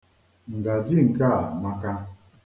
Ngaji nke a amaka.